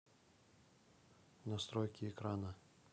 настройки экрана